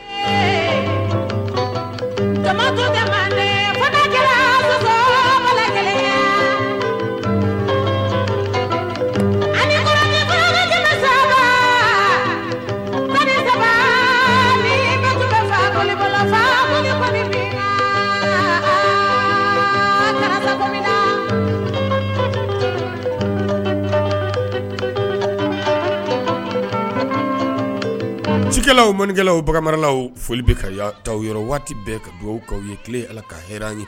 Jɛ cikɛlalaw mankɛlaw bamananlaw foli bɛ ka ta yɔrɔ waati bɛɛ ka dugawu ka ye tile ala ka hɛrɛ ye